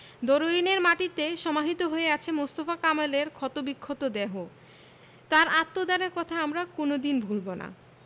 দরুইনের মাটিতে সমাহিত হয়ে আছে মোস্তফা কামালের ক্ষতবিক্ষত দেহ তাঁর আত্মদানের কথা আমরা কোনো দিন ভুলব না